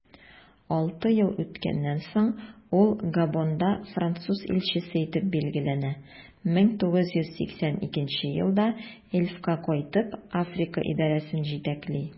Алты ел үткәннән соң, ул Габонда француз илчесе итеп билгеләнә, 1982 елда Elf'ка кайтып, Африка идарәсен җитәкли.